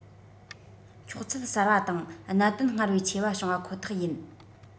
འཁྱོག ཚུལ གསར བ དང གནད དོན སྔར ལས ཆེ བ བྱུང བ ཁོ ཐག ཡིན